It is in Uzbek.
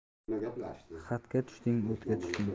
xatga tushding o'tga tushding